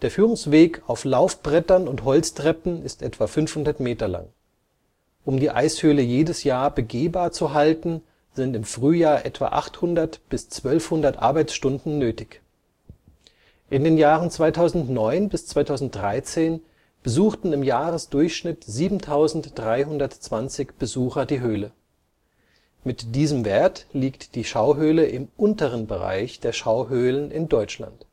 führen. Der Führungsweg auf Laufbrettern und Holztreppen ist etwa 500 Meter lang. Um die Eishöhle jedes Jahr begehbar zu halten, sind im Frühjahr etwa 800 bis 1200 Arbeitsstunden nötig. In den Jahren 2009 bis 2013 besuchten im Jahresdurchschnitt 7.320 Besucher die Höhle. Mit diesem Wert liegt die Schauhöhle im unteren Bereich der Schauhöhlen in Deutschland